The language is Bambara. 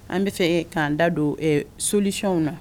An b' fɛ k'an da don solisiw na